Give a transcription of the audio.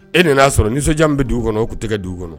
E nin y'a sɔrɔ nisɔndi bɛ du kɔnɔ u' tɛgɛ du kɔnɔ